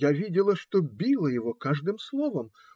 Я видела, что била его каждым словом.